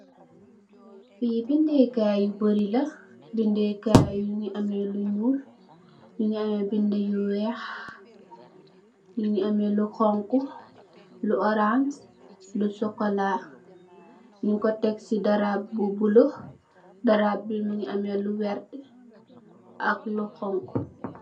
Fi binduh kai yu bari la binduh kai mungi ame lu ñuul, mungi ame binduh yu weex, mungi ame lu xong khu, lu orange, lu chocola nyung ku tek ci darap bu bulah. Darap bi mungi ame lu werta ak ku xong khu.